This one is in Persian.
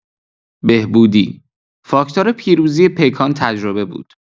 بهبودی: فاکتور پیروزی پیکان تجربه بود!